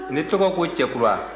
ne tɔgɔ ko cɛkura